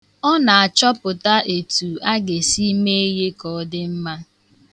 Ọ na-achọpụta etu aga esi mee ihe ka ọ dị mma.